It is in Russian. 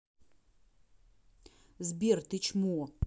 сбер ты чмо